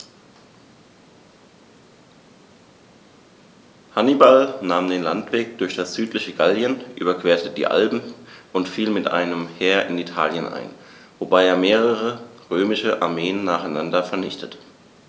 Hannibal nahm den Landweg durch das südliche Gallien, überquerte die Alpen und fiel mit einem Heer in Italien ein, wobei er mehrere römische Armeen nacheinander vernichtete.